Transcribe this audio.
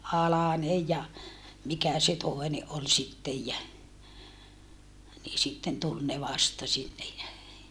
Alanen ja mikä se toinen oli sitten ja niin sitten tuli ne vasta sinne ja